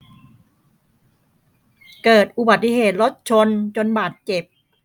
เกิดอุบัติเหตุรถชนจนบาดเจ็บ